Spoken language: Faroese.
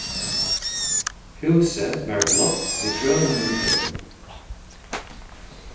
húsið var blátt við grønum vindeygum